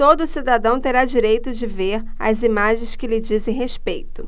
todo cidadão terá direito de ver as imagens que lhe dizem respeito